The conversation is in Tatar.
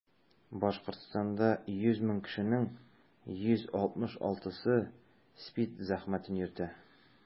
Башкортстанда 100 мең кешенең 166-сы СПИД зәхмәтен йөртә.